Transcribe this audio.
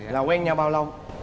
là quen nhau bao lâu